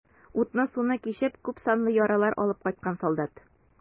Утны-суны кичеп, күпсанлы яралар алып кайткан солдат.